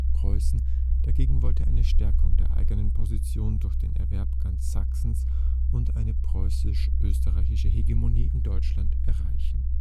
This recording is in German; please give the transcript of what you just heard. Preußen dagegen wollte eine Stärkung der eigenen Position durch den Erwerb ganz Sachsens und eine preußisch-österreichische Hegemonie in Deutschland erreichen